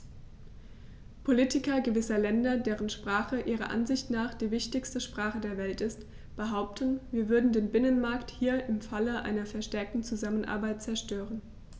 Politiker gewisser Länder, deren Sprache ihrer Ansicht nach die wichtigste Sprache der Welt ist, behaupten, wir würden den Binnenmarkt hier im Falle einer verstärkten Zusammenarbeit zerstören.